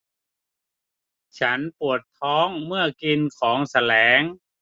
ฉันปวดท้องเมื่อกินของแสลง